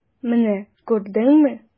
Менә күрдеңме?